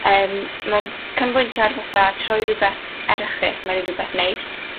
Yym ma'n canolbwyntio ar fatha troi rwbeth erchyll mewn i rwbeth neis.